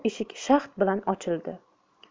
eshik shaxt bilan ochildi